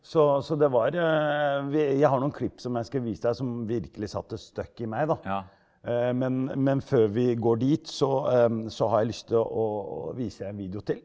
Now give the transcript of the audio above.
så så det var vi jeg har noen klipp som jeg skulle vise deg som virkelig satte en støkk i meg da men men før vi går dit så så har jeg lyst til å vise deg en video til.